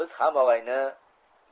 biz ham og'ayni